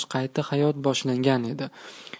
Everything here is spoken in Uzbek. qayta hayot boshlangan edi